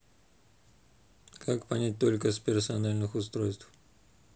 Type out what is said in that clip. как понять только с персональных устройств